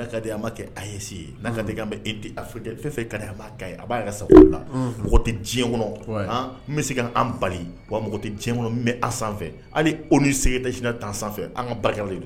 A b'a ka sago la tɛ kɔnɔ bɛ se bali wa tɛ kɔnɔ mɛ sanfɛ hali o ni seginna tɛina tan sanfɛ an ka barika de